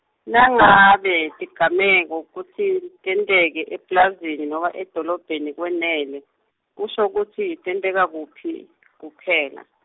nangabe tigameko kutsi tenteke epulazini nobe edolobheni kwenele, kusho kutsi tenteka kuphi kuphela?